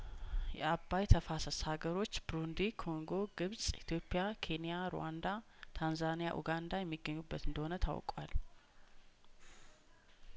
የአባይተፋሰስ ሀገሮች ብሩንዲ ኮንጐ ግብጽ ኢትዮፕያ ኬንያሩ ዋንዳ ታንዛኒያ ኡጋንዳ የሚገኙ በት እንደሆነ ታውቋል